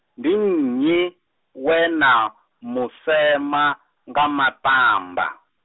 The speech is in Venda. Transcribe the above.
ndi nnyi, we na, mu sema, nga maṱamba?